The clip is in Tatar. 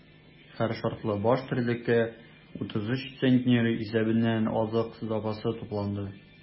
Һәр шартлы баш терлеккә 33 центнер исәбеннән азык запасы тупланды.